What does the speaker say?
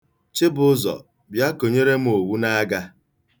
Chibụzọ, bịa, konyere m owu n'aga.